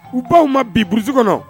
U b'aw ma bi burusi kɔnɔ